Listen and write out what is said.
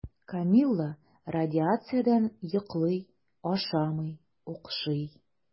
Камилла радиациядән йоклый, ашамый, укшый.